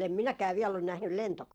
en minäkään vielä ole nähnyt -